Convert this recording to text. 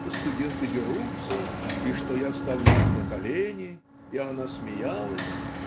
что студенты дерутся и что я ставлю их на колени и она смеялась.